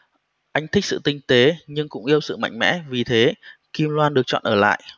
anh thích sự tinh tế nhưng cũng yêu sự mạnh mẽ vì thế kim loan được chọn ở lại